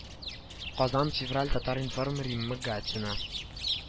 Казан февраль татар-информ римма гатина